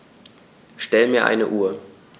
Stell mir eine Uhr.